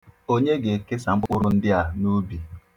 Onye ga-ekesa mkpụrụ ndị a n'ubi?